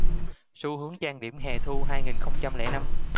xu hướng trang điểm hè thu hai nghìn không trăm lẻ năm